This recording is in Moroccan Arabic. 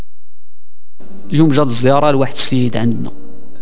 يوجد زياره الواحد سيد عنه